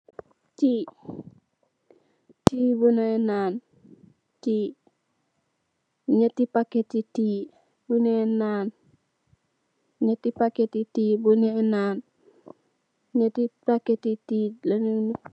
Ñetti paketti tii bu ñoy nan.